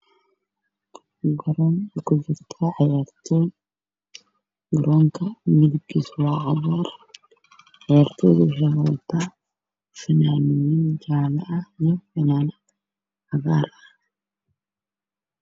Waa garoon ay ciyaartoy ku salbareedeyso